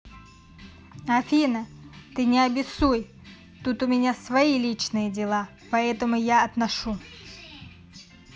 афина ты не обисуй тут у меня свои личные дела поэтому я отношу